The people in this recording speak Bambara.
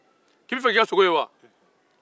k'i b'a fe ki ka sogo ye wa